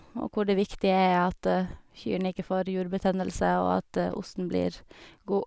Og hvor det viktige er at kyrene ikke får jurbetennelse og at osten blir god.